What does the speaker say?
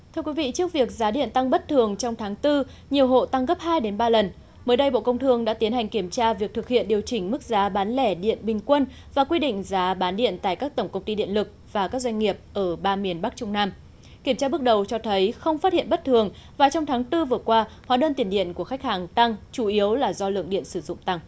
thưa quý vị trước việc giá điện tăng bất thường trong tháng tư nhiều hộ tăng gấp hai đến ba lần mới đây bộ công thương đã tiến hành kiểm tra việc thực hiện điều chỉnh mức giá bán lẻ điện bình quân và quy định giá bán điện tại các tổng công ty điện lực và các doanh nghiệp ở ba miền bắc trung nam kiểm tra bước đầu cho thấy không phát hiện bất thường và trong tháng tư vừa qua hóa đơn tiền điện của khách hàng tăng chủ yếu là do lượng điện sử dụng tăng